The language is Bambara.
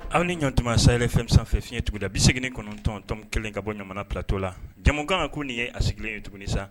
Aw ni ɲɔgɔntumama sayay fɛnmi sanfɛ2 fiɲɛɲɛtigɛ da bise kɔnɔntɔntɔn kelen ka bɔ jamanalatɔ la jamanakan kan ko nin ye a sigilen ye tuguni sa